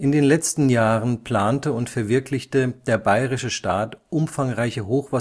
den letzten Jahren plante und verwirklichte der bayerische Staat umfangreiche Hochwasserschutzmaßnahmen